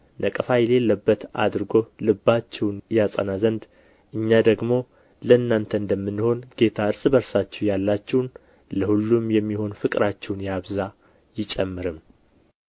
ነቀፋ የሌለበት አድርጎ ልባችሁን ያጸና ዘንድ እኛ ደግሞ ለእናንተ እንደምንሆን ጌታ እርስ በእርሳችሁ ያላችሁን ለሁሉም የሚሆን ፍቅራችሁን ያብዛ ይጨምርም